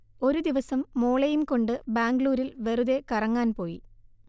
ഒരു ദിവസം മോളേയും കൊണ്ട് ബാംഗ്ലൂരിൽ വെറുതെ കറങ്ങാൻ പോയി